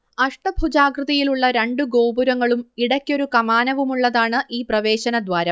അഷ്ടഭുജാകൃതിയിലുള്ള രണ്ടു ഗോപുരങ്ങളും ഇടയ്ക്കൊരു കമാനവുമുള്ളതാണ് ഈ പ്രവേശനദ്വാരം